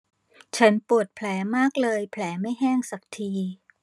ฉันปวดแผลมากเลยแผลไม่แห้งสักที